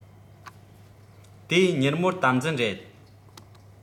དེའི མྱུར མོར དམ འཛིན རེད